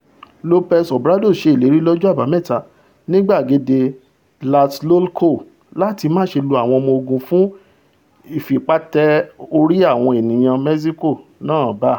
Lopez Obrador ṣe ìlérí lọ́jọ́ Àbámẹta nì Gbàgede Tlatelolco láti ''máṣe lo àwọn ọmọ ogun fún ìfipatẹ-orí àwọn ènìyàn Mẹ́ṣíkò náà ba.''